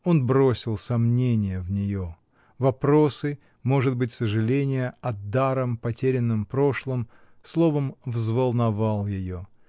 Он бросил сомнение в нее, вопросы, может быть, сожаление о даром потерянном прошлом — словом, взволновал ее.